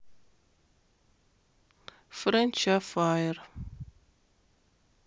френч а фаер